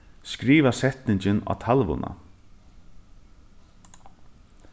skriva setningin á talvuna